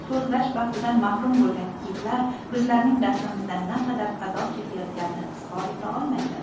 sozlash baxtidan mahrum bolgan kitlar bizlarning dastimizdan naqadar azob chekayotganini izhor eta olmaydi